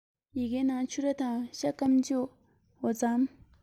ཡི གེའི ནང ཕྱུར ར དང ཤ སྐམ འོ ཕྱེ